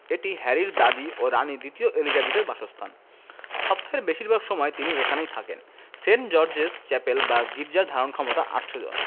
এটি হ্যারির দাদি ও রানি দ্বিতীয় এলিজাবেথের বাসস্থান সপ্তাহের বেশির ভাগ সময় তিনি এখানেই থাকেন সেন্ট জর্জেস চ্যাপেল বা গির্জার ধারণক্ষমতা ৮০০ জন